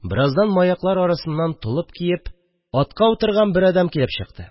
Бераздан маяклар арасыннан толып киеп атка утырган бер әдәм килеп чыкты